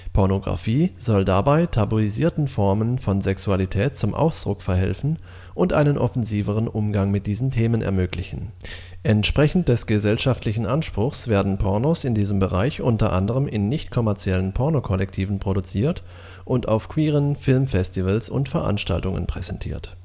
Pornografie soll dabei tabuisierten Formen von Sexualität zum Ausdruck verhelfen und einen offensiveren Umgang mit diesen Themen ermöglichen. Entsprechend des gesellschaftlichen Anspruchs werden Pornos in diesem Bereich unter Anderem in nichtkommerziellen Porno-Kollektiven produziert und auf queeren Filmfestivals und Veranstaltungen präsentiert